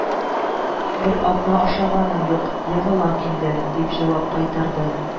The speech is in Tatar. Бер атна ашаганым юк, егылам инде, – дип җавап кайтарды